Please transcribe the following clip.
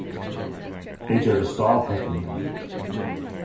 eg gjørdi stáltekningar